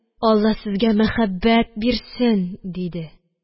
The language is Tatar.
Алла сезгә мәхәббәт бирсен, – диде.